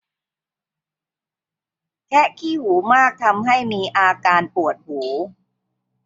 แคะขี้หูมากทำให้มีอาการปวดหู